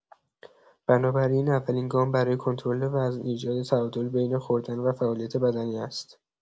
بنابراین اولین گام برای کنترل وزن، ایجاد تعادل بین خوردن و فعالیت بدنی است.